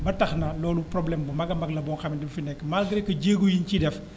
ba tax na loolu problème bu mag a mag la boo xam ne ni mu ngi fi nekk magré que jéego yiñ ci def